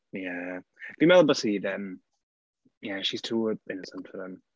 Ie, fi'n meddwl byse hi ddim ie, she's too innocent for him.